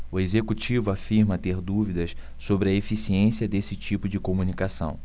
o executivo afirma ter dúvidas sobre a eficiência desse tipo de comunicação